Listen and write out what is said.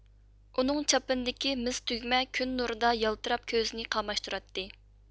ئۇنىڭ چاپىنىدىكى مىس تۈگمە كۈن نۇرىدا يالتىراپ كۆزنى قاماشتۇراتتى